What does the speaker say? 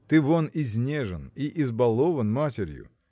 Ты, вон, изнежен и избалован матерью